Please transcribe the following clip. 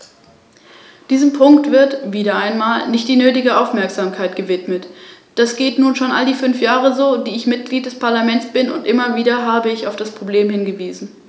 Ferner sollte die Pflicht zur Unterrichtung staatlicher Behörden bei Unfällen unumgänglich sein.